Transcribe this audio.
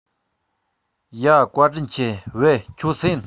ཡ བཀའ དྲིན ཆེ བེ ཁྱོད སུ ཡིན